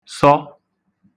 sọ